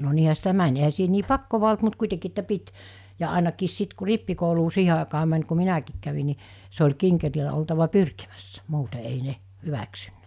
no niinhän sitä meni eihän siihen niin pakkoa ollut mutta kuitenkin että piti ja ainakin sitten kun rippikouluun siihen aikaan meni kun minäkin kävin niin se oli kinkereillä oltava pyrkimässä muuten ei ne hyväksynyt